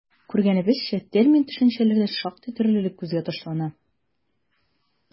Күргәнебезчә, термин-төшенчәләрдә шактый төрлелек күзгә ташлана.